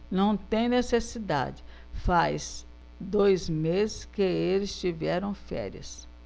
não tem necessidade faz dois meses que eles tiveram férias